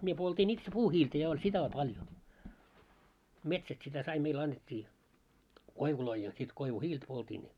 minä poltin itse puuhiiltä ja oli sitä on paljon metsästä sitä sai meillä annettiin koivuja ja sitten koivuhiiltä poltin